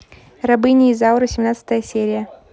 рабыня изаура семнадцатая серия